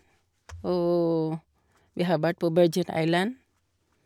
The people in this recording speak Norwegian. Og vi har vært på Virgin Island.